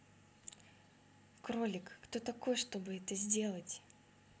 кролик кто такой чтобы это сделать